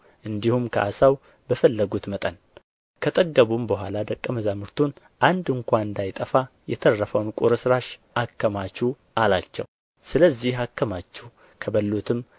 እንዲሁም ከዓሣው በፈለጉት መጠን ከጠገቡም በኋላ ደቀ መዛሙርቱን አንድ ስንኳ እንዳይጠፋ የተረፈውን ቍርስራሽ አከማቹ አላቸው ሰለዚህ አከማቹ ከበሉትም